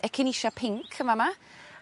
echinacea pinc yn fa' 'ma